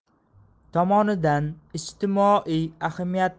tomonidan ijtimoiy ahamiyatli yangilik sifatida